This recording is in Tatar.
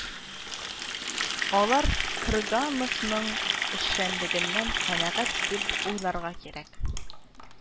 Алар Кргановның эшчәнлегеннән канәгать дип уйларга кирәк